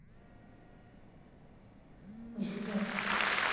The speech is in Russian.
жужу